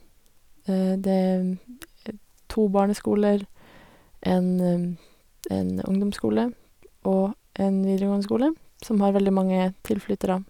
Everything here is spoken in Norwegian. Det er to barneskoler, en en ungdomsskole, og en videregående skole, som har veldig mange tilflyttere.